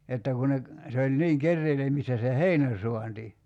että kun ne - se oli niin keräilemistä se - heinänsaanti